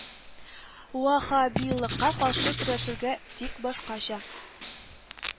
ВАҺ ҺАБИЛЫККА КАРШЫ КӨРӘШЕРГӘ, ТИК БАШКАЧА